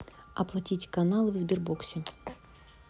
оплатить каналы в сбербоксе